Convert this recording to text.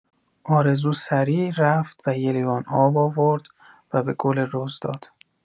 آرزو سریع رفت و یه لیوان آب آورد و به گل رز داد.